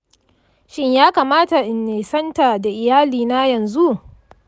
shin ya kamata in nisanta da iyalina yanzu?